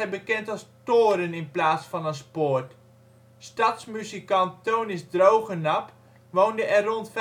bekend als toren in plaats van als poort. Stadsmuzikant Tonis Drogenap woonde er rond